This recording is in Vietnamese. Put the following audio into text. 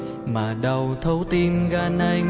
mà đau thấu tim gan anh đây này